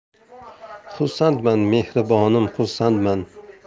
xursandman mehribonim xursandman